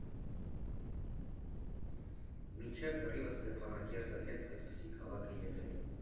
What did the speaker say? Մինչև կռիվը Ստեփանակերտը հենց այդպիսի քաղաք է եղել։